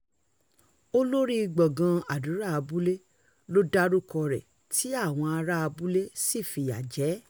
Olóríi gbọ̀gán àdúrà abúlé l'ó dárúkọ rẹ̀ tí àwọn ará abúlé sí fi ìyà jẹ́ ẹ.